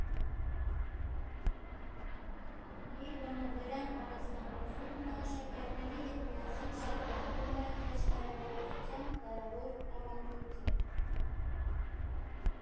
Իր վանաձորյան արհեստանոցում նա աշակերտների հետ միասին շարունակում է խաչքարագործության դարավոր ավանդույթը։